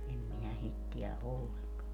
en minä sitä tiedä ollenkaan